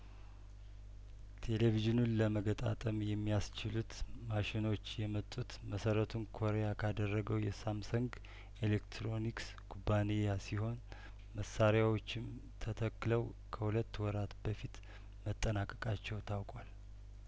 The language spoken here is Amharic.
ቴሌቪዥኑን ለመገጣጠም የሚያስችሉት ማሽኖች የመጡት መሰረቱን ኮሪያ ካደረገው የሳምሰንግ ኤሌክትሮኒክስ ኩባንያ ሲሆን መሳሪያዎቹም ተተክለው ከሁለት ወራት በፊት መጠናቀቃቸው ታውቋል